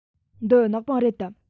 འདི ནག པང རེད དམ